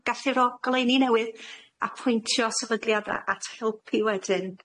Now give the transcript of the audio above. gallu ro- goleuni newydd, a pwyntio sefydliada at helpu wedyn.